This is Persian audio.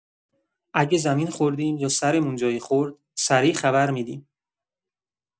اگه زمین خوردیم یا سرمون جایی خورد، سریع خبر می‌دیم.